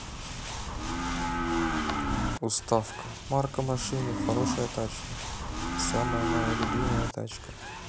уставка марка машины хорошая тачка самая моя любимая тачка